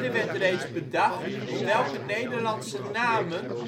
werd reeds bedacht welke Nederlandse namen